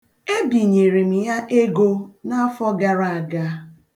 Ebinyere m ya ego n'afọ gara aga.